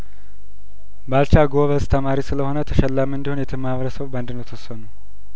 ባልቻ ጐበዝ ተማሪ ስለሆነ ተሸላሚ እንዲሆን የት ማህበረሰቡ በአንድነት ወሰኑ